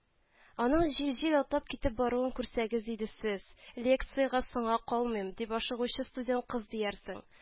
Аның җил-җил атлап китеп баруын күрсәгез иде сез — лекциягә соңга калмыйм, дип ашыгучы студент кыз диярсең